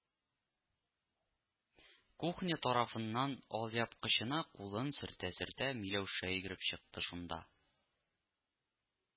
Кухня тарафыннан алъяпкычына кулын сөртә-сөртә Миләүшә йөгереп чыкты шунда